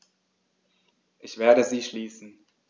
Ich werde sie schließen.